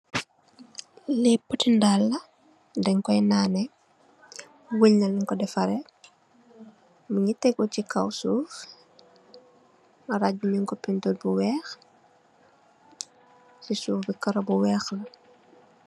Li poti ndal la, den koy nanè, wënn la lun ko defarè. Mungi tègu ci kaw suuf, maraj bi nung penturr bu weeh, ci suuf karo bi weeh la.